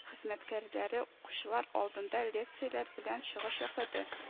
Хезмәткәрләре укучылар алдында лекцияләр белән чыгыш ясады